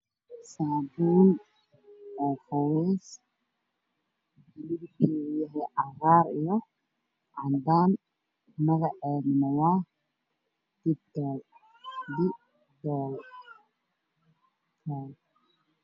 Saabuun oo qubays midabkeedu yahay cagaar iyo cadaan magaceeduna waa dib gaal